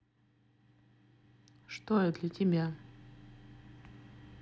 что я для тебя